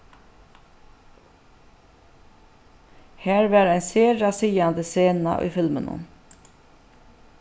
har var ein sera sigandi sena í filminum